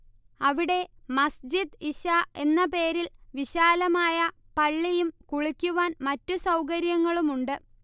അവിടെ മസ്ജിദ് ഇശ എന്ന പേരിൽ വിശാലമായ പള്ളിയും കുളിക്കുവാൻ മറ്റു സൌകര്യങ്ങളുമുണ്ട്